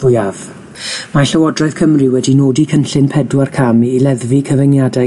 fwyaf. Mae Llywodraeth Cymru wedi nodi cynllun pedwar cam i leddfu cyfyngiadau